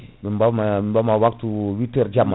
min ɓama min ɓama waptu 8 heures jamma